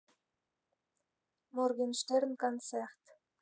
моргенштерн концерт